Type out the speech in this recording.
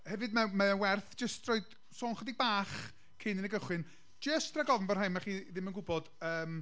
Hefyd, mae o mae o werth jyst rhoid sôn ychydig bach cyn i ni gychwyn, jyst rhag ofn bod rhai ohonna chi ddim yn gwybod yym.